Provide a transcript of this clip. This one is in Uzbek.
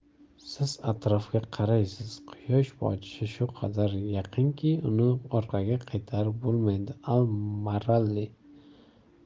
siz atrofga qaraysiz quyosh botishi shu qadar yaqinki uni orqaga qaytarib bo'lmaydi al maarri